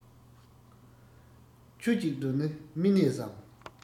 ཁྱུ གཅིག ཏུ ནི མི གནས སམ